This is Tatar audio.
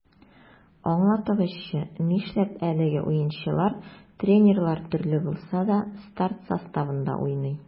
Аңлатыгызчы, нишләп әлеге уенчылар, тренерлар төрле булса да, старт составында уйный?